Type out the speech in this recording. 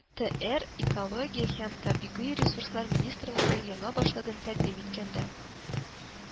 ТР Экология һәм табигый ресурслар министрлыгының яңа башлыгын тәкъдим иткәндә